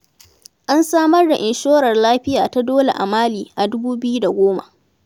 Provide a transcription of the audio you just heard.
An samar da inshorar lafiya ta dole a Mali a 2010.